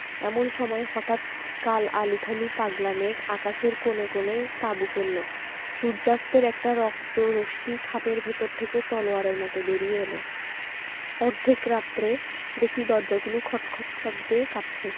এমন সময় হঠাৎ কাল আলুথালু পাগলা মেঘ আকাশের কোণে কোণে তাঁবু ফেললো সূর্য্যাস্তের একটা রক্ত রশ্মি খাপের ভেতর থেকে তলোয়ারের মত বেরিয়ে এল অর্ধেক রাত্রে দেখি দরজাগুলো খটখট শব্দে কাঁপছে